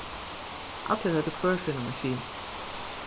allir høvdu hvør sína maskinu